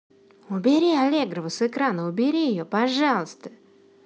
убери аллегрову с экрана убери ее пожалуйста